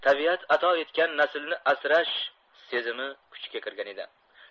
tabiat ato etgan naslni asrash sezimi kuchga kirgan edi